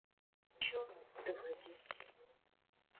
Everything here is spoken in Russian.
черный доводи